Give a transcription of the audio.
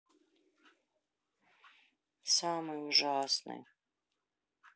самый ужасный